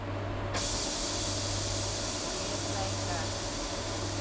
привет зайка